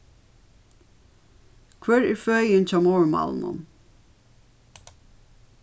hvør er føðin hjá móðurmálinum